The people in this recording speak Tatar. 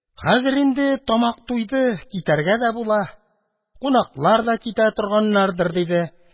Хәзер инде тамак туйды, китәргә дә була, кунаклар да китә торганнардыр, – диде.